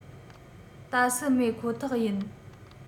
ལྟ སུལ མེད ཁོ ཐག ཡིན